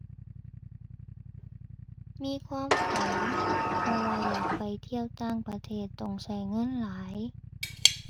มีความฝัน เพราะว่าอยากไปเที่ยวต่างประเทศต้องใช้เงินหลาย